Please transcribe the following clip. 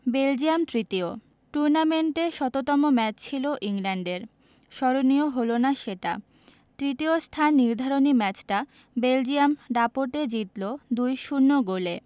Belgium তৃতীয় টুর্নামেন্টে শততম ম্যাচ ছিল ইংল্যান্ডের স্মরণীয় হলো না সেটা তৃতীয় স্থান নির্ধারণী ম্যাচটা বেলজিয়াম দাপটে জিতল ২ ০ গোলে